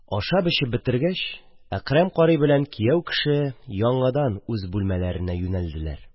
Ашап-эчеп беткәч, Әкрәм карый белән кияү кеше яңадан үз бүлмәләренә юнәлделәр.